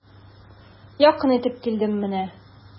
Якын итеп килдем менә.